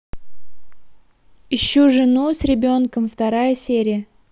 ищу жену с ребенком вторая серия